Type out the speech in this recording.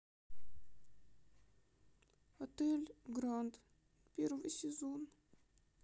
отель гранд первый сезон